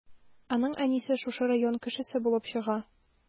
Аның әнисе шушы район кешесе булып чыга.